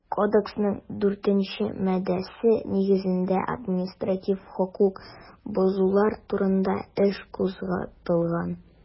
Кодексның 4 нче маддәсе нигезендә административ хокук бозулар турында эш кузгатылган.